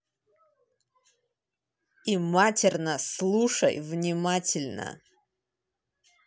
и матерно слушай внимательно